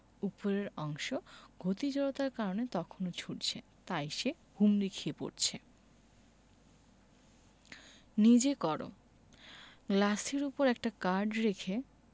ওপরের অংশ গতি জড়তার কারণে তখনো ছুটছে তাই সে হুমড়ি খেয়ে পড়ছে গ্লাসের উপর একটা কার্ড রেখে